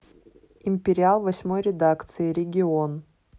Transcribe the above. империал восьмой редакции регион